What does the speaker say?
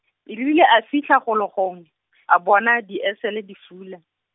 e rile a fitlha golo gongwe, a bona diesele, di fula.